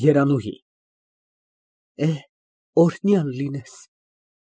ԵՐԱՆՈՒՀԻ ֊ Էհ, օրհնյալ լինես։